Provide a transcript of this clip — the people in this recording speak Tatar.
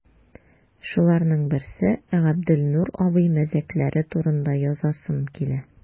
Шуларның берсе – Габделнур абый мәзәкләре турында язасым килә.